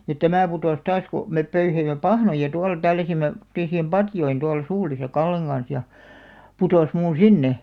ja tämä putosi taas kun me pöyhimme pahnoja tuolla tälläsimme tämmöisiin patjoihin tuolla suulissa Kallen kanssa ja putosi minun sinne